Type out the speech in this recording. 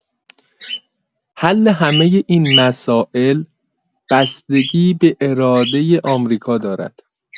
حل همه این مسائل بستگی به اراده آمریکا دارد.